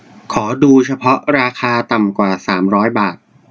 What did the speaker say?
ขอดูเฉพาะราคาต่ำกว่าสามร้อยบาท